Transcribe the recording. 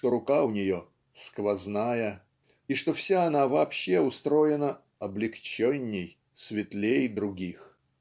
что рука у нее "сквозная" и что вся она вообще устроена "облегченней светлей" других.